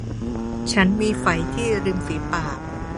ฉันมีไฝที่ริมฝีปาก